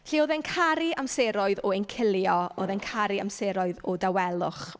Felly, oedd e'n caru amseroedd o encilio, oedd e'n caru amseroedd o dawelwch.